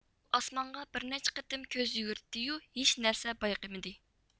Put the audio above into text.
ئۇ ئاسمانغا بىرنەچچە قېتىم كۆز يۈگۈرتتى يۇ ھېچ نەرسە بايقىمىدى